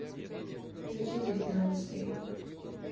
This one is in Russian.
включи девятнадцатый